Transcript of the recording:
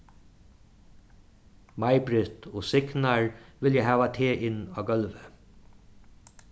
majbritt og signar vilja hava teg inn á gólvið